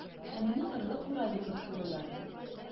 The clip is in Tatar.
Ә мине кырлы курай дип мыскыллыйлар.